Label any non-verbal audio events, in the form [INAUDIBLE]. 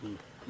[HESITATION] [HESITATION]